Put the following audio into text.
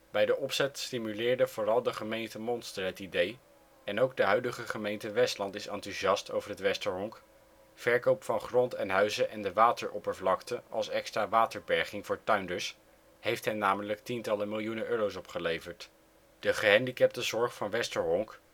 Bij de opzet stimuleerde vooral de gemeente Monster het idee, en ook de huidige gemeente Westland is enthousiast over het Westerhonk; verkoop van grond en huizen en de wateropervlakte als extra waterberging voor tuinders heeft hen namelijk tientallen miljoenen euro 's opgeleverd. De gehandicaptenzorg van Westerhonk